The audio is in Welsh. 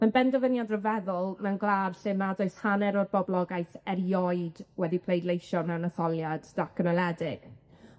Ma'n benderfyniad ryfeddol mewn gwlad lle nad oes hanner o'r boblogaeth erioed wedi pleidleisio mewn etholiad datganoledig.